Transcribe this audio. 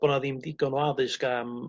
bo' 'na ddim digon o addysg am